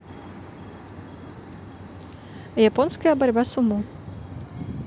японская борьба сумо